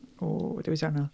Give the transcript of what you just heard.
Ww, dewis anodd.